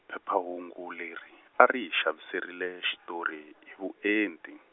phephahungu leri, a ri hi xaviserile, xitori, hi vuenti.